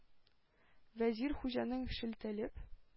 Вәзир, Хуҗаны шелтәләп: